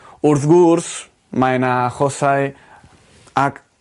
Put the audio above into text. Wrth gwrs mae 'na achosau ag